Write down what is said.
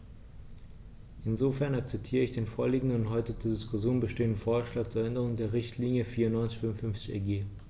Insofern akzeptiere ich den vorliegenden und heute zur Diskussion stehenden Vorschlag zur Änderung der Richtlinie 94/55/EG.